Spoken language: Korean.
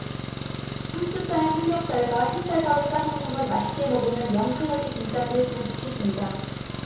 상추쌈에 삼겹살과 흰쌀밥을 싸먹는 것 맛있게 먹으면 영 칼로리 진짜 그랬으면 좋겠습니다